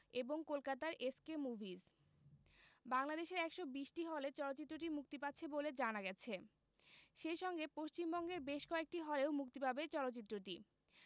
এবং কলকাতার S K movies বাংলাদেশের ১২০টি হলে চলচ্চিত্রটি মুক্তি পাচ্ছে বলে জানা গেছে সেই সঙ্গে পশ্চিমবঙ্গের বেশ কয়েকটি হলেও মুক্তি পাবে চলচ্চিত্রটি